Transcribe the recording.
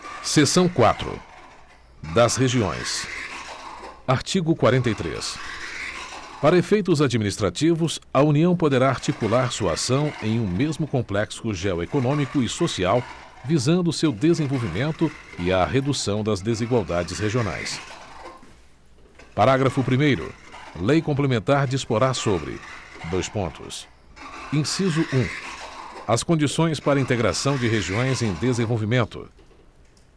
seção quatro das regiões artigo quarenta e três para efeitos administrativos a união poderá articular sua ação em um mesmo complexo geoeconômico e social visando seu desenvolvimento e à redução das desigualdades regionais parágrafo primeiro lei complementar disporá sobre dois pontos inciso um as condições para integração de regiões em desenvolvimento